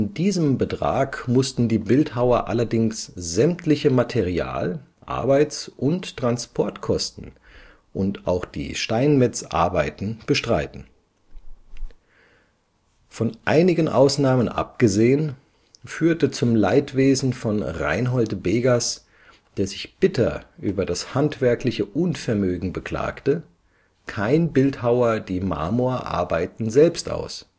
diesem Betrag mussten die Bildhauer allerdings sämtliche Material -, Arbeits - und Transportkosten und auch die Steinmetzarbeiten bestreiten. Von wenigen Ausnahmen abgesehen, führte zum Leidwesen von Reinhold Begas, der sich bitter über das handwerkliche Unvermögen beklagte, kein Bildhauer die Marmorarbeiten selbst aus